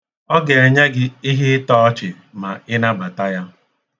Ọ ga-enye gị ihe ịtọ ọchị ma ị nabata ya.